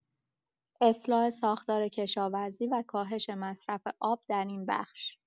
اصلاح ساختار کشاورزی و کاهش مصرف آب در این بخش